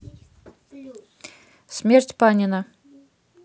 смерть панина